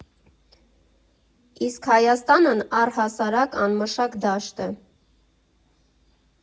Իսկ Հայաստանն առհասարակ անմշակ դաշտ է.